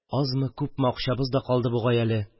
Азмы-күпме акчабыз да калды бугай әле.